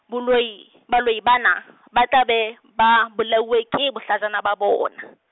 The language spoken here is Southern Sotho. boloi, baloi bana, ba tla be, ba, bolailwe ke bohlajana ba bona.